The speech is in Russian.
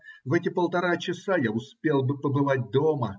В эти полтора часа я успел бы побывать дома.